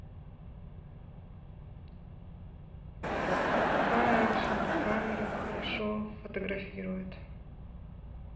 какая экшн камера хорошо фотографирует